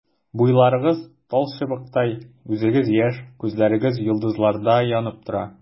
Буйларыгыз талчыбыктай, үзегез яшь, күзләрегез йолдызлардай янып тора.